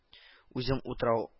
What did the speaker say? — үзем утырау